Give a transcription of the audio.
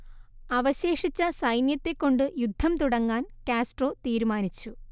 അവശേഷിച്ച സൈന്യത്തെക്കൊണ്ടു യുദ്ധം തുടങ്ങാൻ കാസ്ട്രോ തീരുമാനിച്ചു